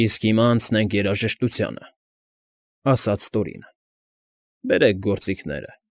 Իսկ հիմա անցնենք երաժշտությանը, ֊ ասաց Տորինը։ ֊ Բերեք գործիքները։